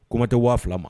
Kumaman tɛ waaf ma